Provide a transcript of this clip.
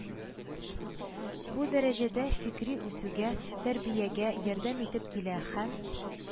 Бу дәрәҗәдә «фикри үсүгә», «тәрбиягә» ярдәм итеп килә һәм